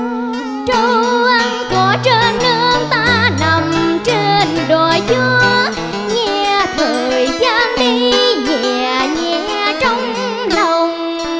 cõi trên nơi ta nằm trên đồi trước nghe thời gian đi nhè nhẹ trong lòng